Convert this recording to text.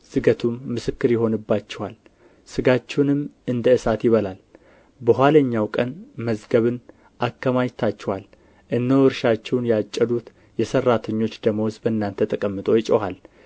ዝገቱም ምስክር ይሆንባችኋል ሥጋችሁንም እንደ እሳት ይበላል ለኋለኛው ቀን መዝገብን አከማችታችኋል እነሆ እርሻችሁን ያጨዱት የሠራተኞች ደመወዝ በእናንተ ተቀምቶ ይጮኻል